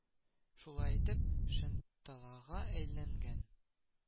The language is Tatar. Шулай итеп, Шенталага әйләнгән